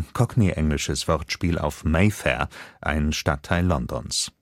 cockney-engl. Wortspiel auf Mayfair, Stadtteil Londons